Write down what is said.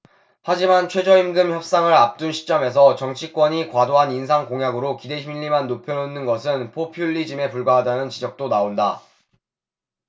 하지만 최저임금 협상을 앞둔 시점에서 정치권이 과도한 인상 공약으로 기대심리만 높여놓는 것은 포퓰리즘에 불과하다는 지적도 나온다